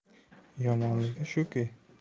yomonligi shuki